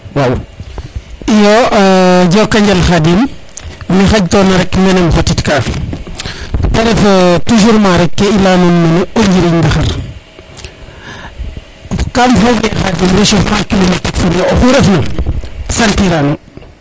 iyo joko njal Khadim me xaƴ tona rek maga im xotit ka te ref toujours rek ke i leya nuun mene o njiriñ ndaxar kam foge Khadim rechaufement climatique fene oxu refn sentir ano